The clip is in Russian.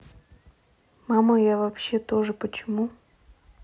мама я вообще тоже почему